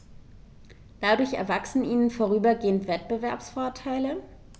Dadurch erwachsen ihnen vorübergehend Wettbewerbsvorteile.